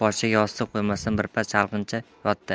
ustida boshiga yostiq qo'ymasdan birpas chalqancha yotdi